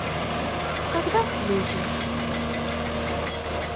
когда включишь